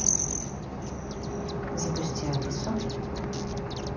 запусти алису